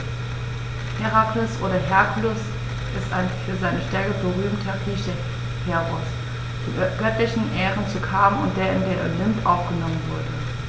Herakles oder Herkules ist ein für seine Stärke berühmter griechischer Heros, dem göttliche Ehren zukamen und der in den Olymp aufgenommen wurde.